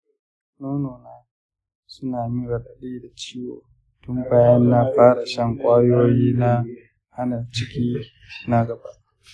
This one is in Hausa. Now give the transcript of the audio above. nono na suna min raɗaɗi da ciwo tun bayan na fara shan kwayoyin hana ciki na baka.